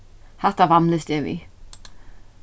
hatta vamlist eg við